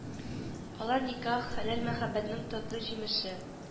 Алар никах хәләл мәхәббәтнең татлы җимеше